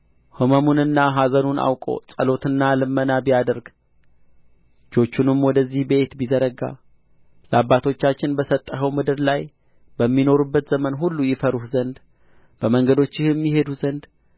ሕመሙንና ኀዘኑን አውቆ ጸሎትና ልመና ቢያደርግ እጆቹንም ወደዚህ ቤት ቢዘረጋ ለአባቶቻችን በሰጠኸው ምድር ላይ በሚኖሩበት ዘመን ሁሉ ይፈሩህ ዘንድ በመንገዶችህም ይሄዱ ዘንድ